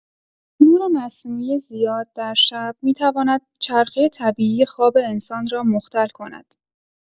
نور مصنوعی زیاد در شب می‌تواند چرخه طبیعی خواب انسان را مختل کند.